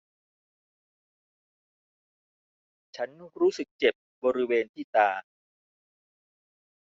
ฉันรู้สึกเจ็บบริเวณที่ตา